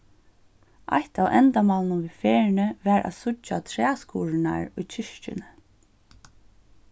eitt av endamálunum við ferðini var at síggja træskurðirnar í kirkjuni